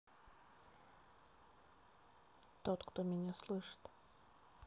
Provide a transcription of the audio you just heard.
тот кто меня слышит